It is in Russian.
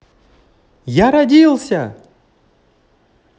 я родился